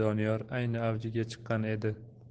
doniyor ayni avjiga chiqqan edi